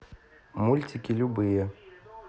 мультики любые